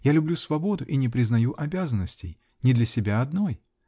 Я люблю свободу и не признаю обязанностей -- не для себя одной.